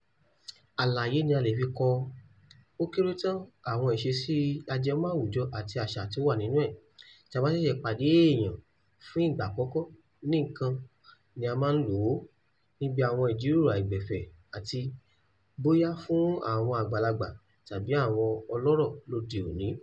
Àlàyé ni a lè fi kọ́ ọ, ó kéré tán, àwọn ìṣesí ajẹmọ́ àwùjọ àti àṣà tó wà nínú ẹ̀ : tí a bá ṣẹ̀ṣẹ̀ pàdé èèyàn fún ìgbà àkọ́kọ́ nikan ni a máa ń lò ó, níbi àwọn ìjíròrò àìgbẹ̀fẹ̀ àti, bóyá fún àwọn àgbàlagbà tàbí àwọn ọlọ́rọ̀ lóde òní.